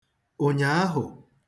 ụ̀nyàahụ̀